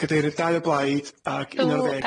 Cydeirydd dau o blaid ag un ar ddeg